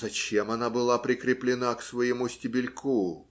Зачем она была прикреплена к своему стебельку?